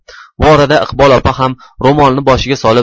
bu orada iqbol opa ham ro'molini boshiga solib